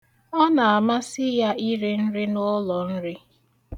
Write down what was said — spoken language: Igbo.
Ọ na-amasị ya iri nri n'ụlọnri.